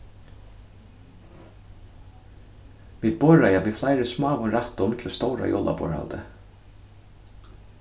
vit borðreiða við fleiri smáum rættum til stóra jólaborðhaldið